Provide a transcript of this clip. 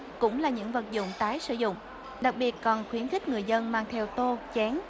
cũng là những vật dụng tái sử dụng đặc biệt cần khuyến khích người dân mang theo tô chén